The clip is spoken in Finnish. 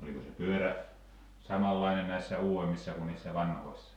oliko se pyörä samanlainen näissä uudemmissa kun niissä vanhoissa